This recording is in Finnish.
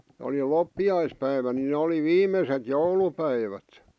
oli loppiaispäivä niin ne oli viimeiset joulupäivät